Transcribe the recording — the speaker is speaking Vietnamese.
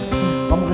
có một